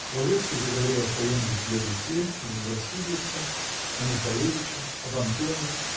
Лаврецкий заговорил о своем житье-бытье в Васильевском, о Михалевиче, об Антоне